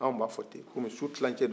a b'a fɔ te ten kɔmi su tilancɛ do